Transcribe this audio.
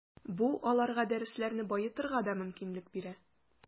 Бу аларга дәресләрне баетырга да мөмкинлек бирә.